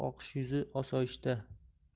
oqish yuzi osoyishta